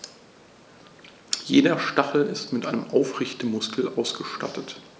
Jeder Stachel ist mit einem Aufrichtemuskel ausgestattet.